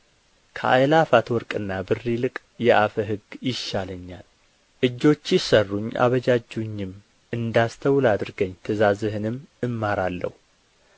ከአእላፋት ወርቅና ብር ይልቅ የአፍህ ሕግ ይሻለኛል እጆችህ ሠሩኝ አበጃጁኝም እንዳስተውል አድርገኝ ትእዛዛትህንም እማራለሁ